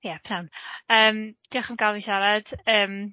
Ia pnawn, yym diolch am gael fi siarad yym...